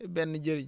benn njëriñ